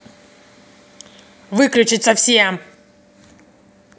выключить совсем